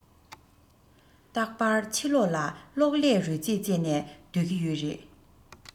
རྟག པར ཕྱི ལོག ལ གློག ཀླད རོལ རྩེད རྩེད ནས སྡོད ཀྱི ཡོད རེད